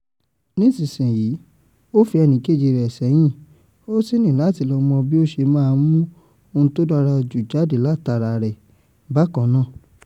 Nísìnyí, o fi ẹnìkejì rẹ sẹ́hìn ó sì níláti lọ mọ́ bí ó sẹ máa mu ohun tó dára jù jáde lát ara rẹ̀, bákan náà."